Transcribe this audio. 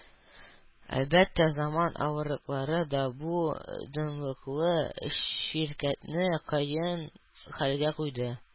Әлбәттә, заман авырлыклары да бу данлыклы ширкәтне кыен хәлгә куйды.